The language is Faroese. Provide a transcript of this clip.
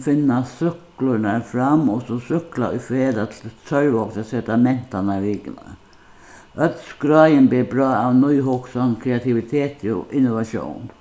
finna súkklurnar fram og so súkkla í felag til sørvágs at seta mentanarvikuna øll skráin ber brá av nýhugsan kreativiteti og innovatión